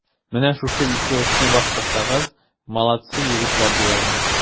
Менә шушы ике эшне башкарсагыз, молодцы, егетләр, диярмен.